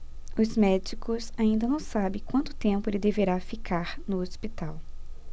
os médicos ainda não sabem quanto tempo ele deverá ficar no hospital